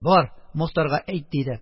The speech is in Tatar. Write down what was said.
Бар, Мохтарга әйт, - диде,